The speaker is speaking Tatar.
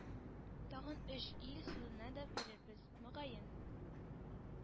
Тагын өч ил судына да бирербез, мөгаен,